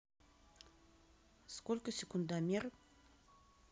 сколько секундомер